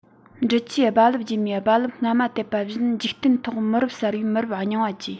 འབྲི ཆུའི རྦ རླབས རྗེས མས རྦ རླབས སྔ མ དེད པ བཞིན འཇིག རྟེན ཐོག མི རབས གསར པས མི རབས རྙིང པ བརྗེ